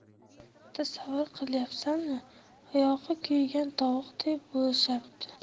tasavvur qilyapsanmi oyog'i kuygan tovuqday bo'lishadi